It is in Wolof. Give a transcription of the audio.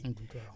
en tout cas